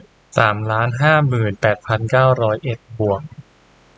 สามล้านห้าหมื่นแปดพันเก้าร้อยเอ็ดบวก